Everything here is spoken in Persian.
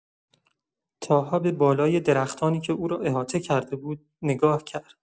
طاها به بالای درختانی که او را احاطه کرده بود، نگاه کرد.